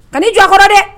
Ka ni jara dɛ